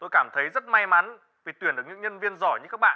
tôi cảm thấy rất may mắn vì tuyển được những nhân viên giỏi như các bạn